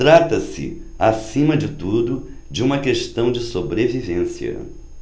trata-se acima de tudo de uma questão de sobrevivência